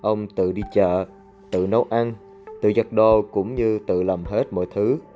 ông tự đi chợ tự nấu ăn tự giặt đồ cũng như tự làm hết mọi thứ